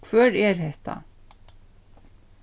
hvør er hetta